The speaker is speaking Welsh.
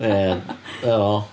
Ia, o wel.